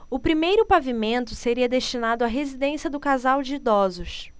o primeiro pavimento seria destinado à residência do casal de idosos